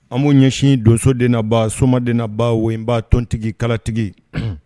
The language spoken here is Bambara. An ɲɛsin donsodba soden naba wba tontigikalatigi